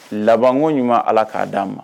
Labanko ɲuman Ala k'a d'an ma